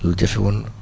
loolu ca ** la